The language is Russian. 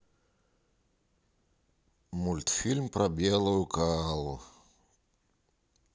мультфильм про белую коалу